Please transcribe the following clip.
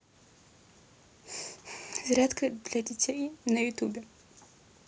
зарядка для детей на ютуб